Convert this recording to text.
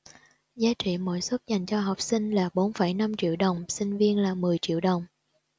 giá trị mỗi suất dành cho học sinh là bốn phẩy năm triệu đồng sinh viên là mười triệu đồng